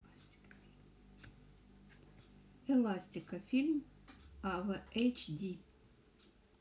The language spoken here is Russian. эластико фильм в эйч ди